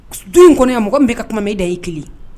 Du in kɔnɔ yan mɔgɔ min b'e ka kuma mɛ o dan y'i kelen ye